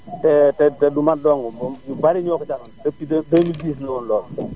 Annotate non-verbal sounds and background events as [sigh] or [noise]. te [hesitation] te du man dong ñu bari ñoo ko fi amoon dépuis 2010 la woon loolu [noise]